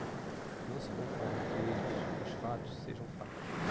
não se conformam que eles os fatos sejam fatos